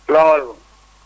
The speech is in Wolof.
salaamaaleykum